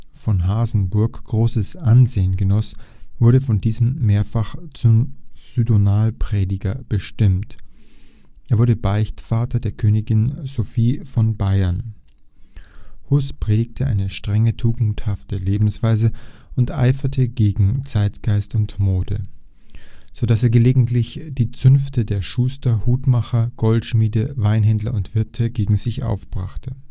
von Hasenburg großes Ansehen genoss, wurde von diesem mehrfach zum Synodalprediger bestimmt. Er wurde Beichtvater der Königin Sophie von Bayern. Hus predigte eine strenge, tugendhafte Lebensweise und eiferte gegen Zeitgeist und Mode, so dass er gelegentlich die Zünfte der Schuster, Hutmacher, Goldschmiede, Weinhändler und Wirte gegen sich aufbrachte